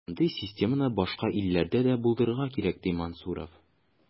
Мондый системаны башка илләрдә дә булдырырга кирәк, ди Мансуров.